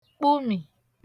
kpụmì